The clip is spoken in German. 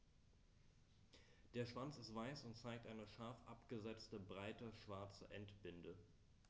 Der Schwanz ist weiß und zeigt eine scharf abgesetzte, breite schwarze Endbinde.